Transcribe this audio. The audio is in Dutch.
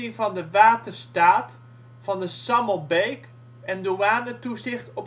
van de waterstaat van de Sammelbeek en douanetoezicht